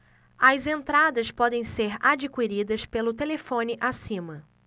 as entradas podem ser adquiridas pelo telefone acima